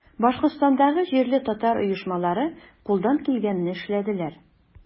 Башкортстандагы җирле татар оешмалары кулдан килгәнне эшләделәр.